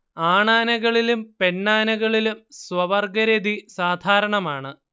ആണാനകളിലും പെണ്ണാനകളിലും സ്വവർഗ്ഗരതി സാധാരണമാണ്